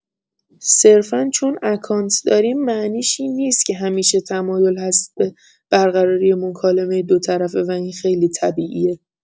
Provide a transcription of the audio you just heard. صرفا چون اکانت داریم معنیش این نیست که همیشه تمایل هست به برقراری مکالمه دوطرفه و این خیلی طبیعیه.